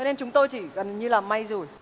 nên chúng tôi chỉ gần như là may rủi